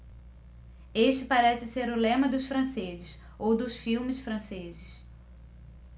este parece ser o lema dos franceses ou dos filmes franceses